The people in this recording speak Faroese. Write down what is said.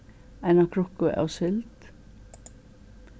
eina krukku av sild